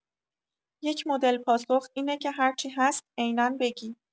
یک مدل پاسخ اینه که هر چی هست عینا بگی